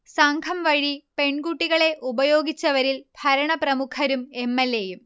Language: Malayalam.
സംഘം വഴി പെൺകുട്ടികളെ ഉപയോഗിച്ചവരിൽ ഭരണപ്രമുഖരും എം. എൽ. എ. യും